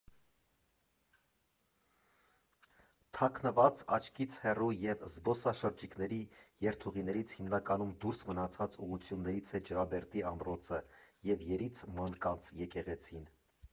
Թաքնված, աչքից հեռու և զբոսաշրջիկների երթուղիներից հիմնականում դուրս մնացած ուղղություններից է Ջրաբերդի ամրոցը և Երից Մանկանց եկեղեցին։